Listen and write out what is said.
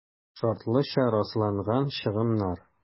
«шартлыча расланган чыгымнар»